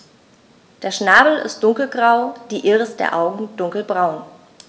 Der Schnabel ist dunkelgrau, die Iris der Augen dunkelbraun.